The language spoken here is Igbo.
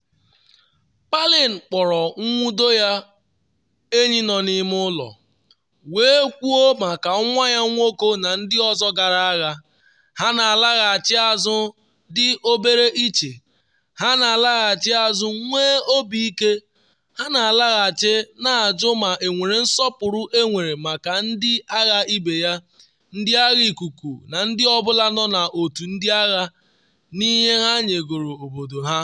Palin kpọrọ nwudo ya ‘enyi nọ n’ime ụlọ” wee kwuo maka nwa ya nwoke na ndị ọzọ gara agha, ha na-alaghachi azụ dị obere iche, ha na-alaghachi azụ nwee obi ike, ha na-alaghachi na-ajụ ma enwere nsọpụrụ enwere maka ndị agha ibe ya, ndị agha ikuku, na ndị ọ bụla nọ n’otu ndị agha, n’ihe ha nyegoro obodo ha.”